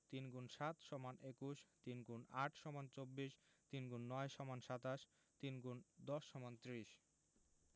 ৩ × ৭ = ২১ ৩ X ৮ = ২৪ ৩ X ৯ = ২৭ ৩ ×১০ = ৩০